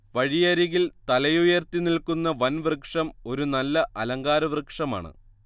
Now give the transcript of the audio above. വഴിയരികിൽ തലയുയർത്തി നിൽക്കുന്ന വൻവൃക്ഷം ഒരു നല്ല അലങ്കാരവൃക്ഷമാണ്